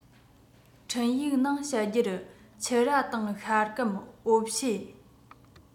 འཕྲིན ཡིག ནང བཤད རྒྱུར ཕྱུར ར དང ཤ སྐམ འོ ཕྱེ